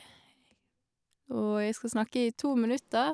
Og jeg skal snakke i to minutter.